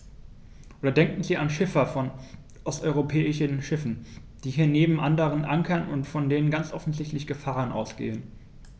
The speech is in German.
Oder denken Sie an Schiffer von osteuropäischen Schiffen, die hier neben anderen ankern und von denen ganz offensichtlich Gefahren ausgehen.